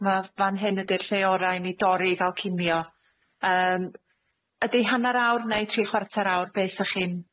na fan hyn ydi'r lle ora i ni dorri i ga'l cinio. Yym ydi hanner awr, neu tri chwarter awr, be' 'sach chi'n-